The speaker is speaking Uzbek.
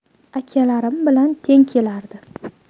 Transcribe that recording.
akalarim bilan teng kelardi